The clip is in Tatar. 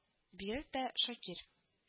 Бигрәк тә Шакир